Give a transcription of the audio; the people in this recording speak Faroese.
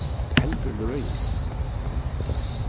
heldur løgið